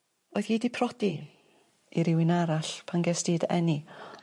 Oedd hi 'di prodi i rywun arall pan gest ti dy eni.